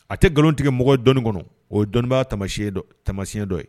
A tɛ nkalontigɛ mɔgɔ dɔni kɔnɔ o ye dɔnniba tama tamasiɲɛ dɔ ye